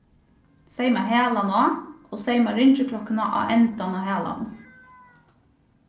seyma halan á og seyma ringiklokkuna á endan á halanum